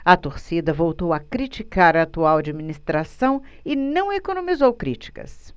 a torcida voltou a criticar a atual administração e não economizou críticas